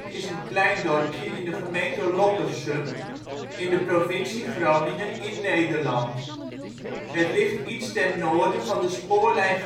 is een klein dorpje in de gemeente Loppersum in de provincie Groningen in Nederland. Het ligt iets ten noorden van de spoorlijn